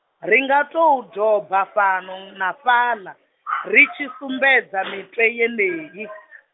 ri nga tou doba fhano na fhaḽa , ri tshi sumbedza mitwe yenei.